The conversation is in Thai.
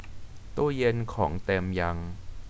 ตู้เย็นของเต็มยัง